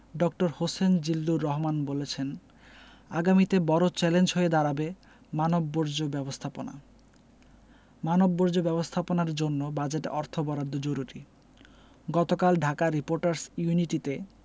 ড.হোসেন জিল্লুর রহমান বলেছেন আগামীতে বড় চ্যালেঞ্জ হয়ে দাঁড়াবে মানববর্জ্য ব্যবস্থাপনা মানববর্জ্য ব্যবস্থাপনার জন্য বাজেটে অর্থ বরাদ্দ জরুরি গতকাল ঢাকা রিপোর্টার্স ইউনিটিতে